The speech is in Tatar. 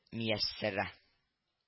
Мияссәрә